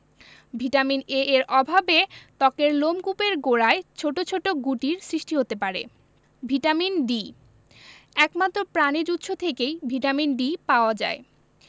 vitamin A এর অভাবে ত্বকের লোমকূপের গোড়ায় ছোট ছোট গুটির সৃষ্টি হতে পারে ভিটামিন D একমাত্র প্রাণিজ উৎস থেকেই ভিটামিন D পাওয়া যায়